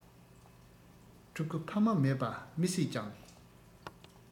ཕྲུ གུ ཕ མ མེད པ མི སྲིད ཀྱང